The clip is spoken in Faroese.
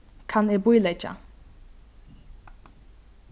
kann eg bíleggja